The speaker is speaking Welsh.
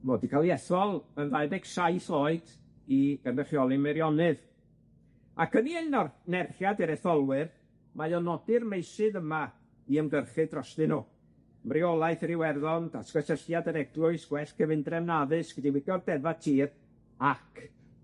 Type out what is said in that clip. Ma' o 'di ca'l 'i ethol yn ddau deg saith oed i gynrychioli Meirionnydd, ac yn 'i anorch- nerchiad i'r etholwyr, mae o'n nodi'r meysydd yma i ymgyrchu drostyn nhw. ymreolaeth yr Iwerddon, datgysylltiad yr Eglwys, gwell gyfundrefn addysg, diwygio'r defa tir, ac